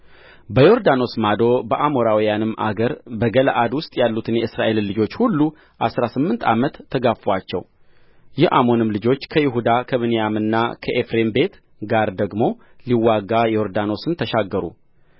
በዮርዳኖስ ማዶ በአሞራውያን አገር በገለዓድ ውስጥ ያሉትን የእስራኤልን ልጆች ሁሉ አሥራ ስምንት ዓመት ተጋፉአቸው የአሞንም ልጆች ከይሁዳ ከብንያምና ከኤፍሬም ቤት ጋር ደግሞ ሊዋጋ ዮርዳኖስን ተሻገሩ